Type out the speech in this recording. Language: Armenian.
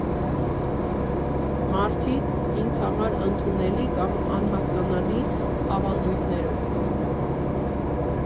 Մարդիկ՝ ինձ համար ընդունելի կամ անհասկանալի ավանդույթներով։